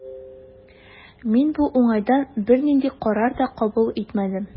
Мин бу уңайдан бернинди карар да кабул итмәдем.